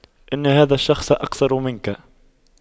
ان هذا الشخص أقصر منك